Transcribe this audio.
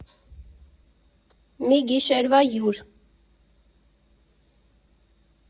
Մի գիշերվա հյուր։